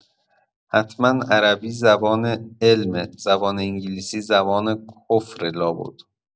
حتما عربی زبانه علمه، زبان انگلیسی‌زبان کفره لابد!